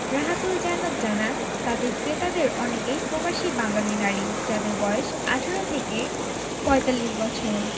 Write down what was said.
রাহাতুল জান্নাত জানান তাঁদের ক্রেতাদের অনেকেই প্রবাসী বাঙালি নারী যাঁদের বয়স ১৮ থেকে ৪৫ বছর